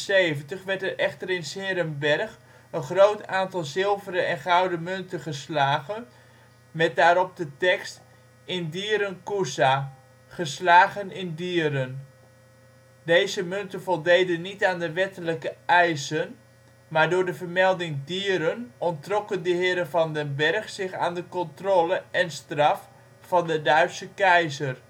1577 werd er echter in ' s-Heerenberg een groot aantal zilveren en gouden munten geslagen met daarop de tekst " in Dieren cusa "(" geslagen in Dieren "). Deze munten voldeden niet aan de wettelijke eisen, maar door de vermelding Dieren onttrokken de heren Van den Bergh zich aan de controle (en straf) van de Duitse keizer